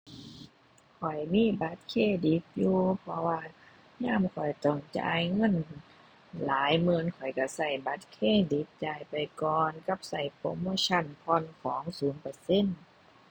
ข้อยมีบัตรเครดิตอยู่ เพราะว่ายามข้อยต้องจ่ายเงินหลายหมื่น ข้อยก็ก็บัตรเครดิตจ่ายไปก่อนกับก็โปรโมชันผ่อนของศูนย์เปอร์เซ็นต์